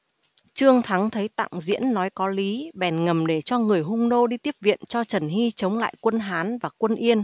trương thắng thấy tạng diễn nói có lý bèn ngầm để cho người hung nô đi tiếp viện cho trần hy chống lại quân hán và quân yên